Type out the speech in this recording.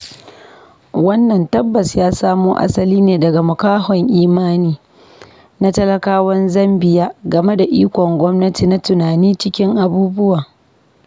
Wannan tabbas ya samo asali ne daga “makahon imani” na talakawan Zambiya game da ikon gwamnati na tunani cikin abubuwa.